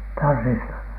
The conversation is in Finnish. tansseista